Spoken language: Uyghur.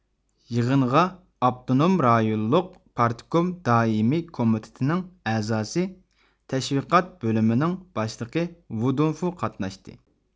يىغىنغا ئاپتونوم رايونلۇق پارتكوم دائىمىي كومىتېتىنىڭ ئەزاسى تەشۋىقات بۆلۈمىنىڭ باشلىقى ۋۇ دۇنفۇ قاتناشتى